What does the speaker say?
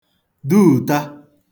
duùta